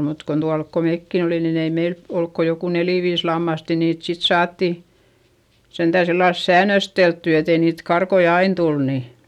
mutta kun tuolla kun mekin olin niin ei meillä ollut kuin joku neljä viisi lammasta ja niitä sitten saatiin sentään sillä lailla säännösteltyä että ei niitä karkkoja aina tule niin